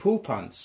Poo pants?